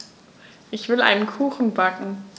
Ich will einen Kuchen backen.